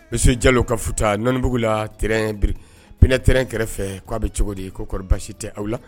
Use jalo ka futata nbugu la p-inaterɛn kɛrɛfɛ k' aa bɛ cogo di koɔri basi tɛ aw la